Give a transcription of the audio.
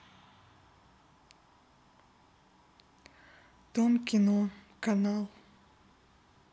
дом кино канал